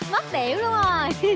mất điểm luôn rồi